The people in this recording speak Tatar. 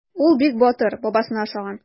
Ул бик батыр, бабасына охшаган.